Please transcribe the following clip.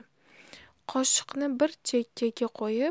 qoshiqni bir chekkaga qo'yib